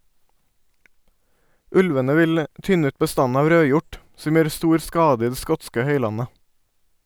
Ulvene vil tynne ut bestanden av rødhjort , som gjør stor skade i det skotske høylandet.